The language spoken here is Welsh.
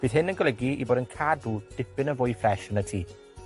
Bydd hyn yn golygu 'u bod yn cadw dipyn yn fwy ffres yn y tŷ.